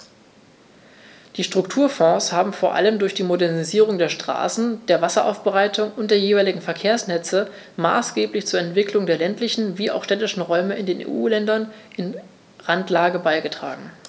Die Strukturfonds haben vor allem durch die Modernisierung der Straßen, der Wasseraufbereitung und der jeweiligen Verkehrsnetze maßgeblich zur Entwicklung der ländlichen wie auch städtischen Räume in den EU-Ländern in Randlage beigetragen.